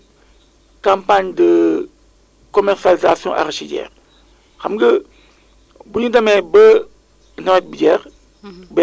parce que en réalité climat bi moom mooy moom mooy subir ay kii quoi ay dérèglement dégg nga donc jàppal ni fu ci si jamono yi ñu toll nii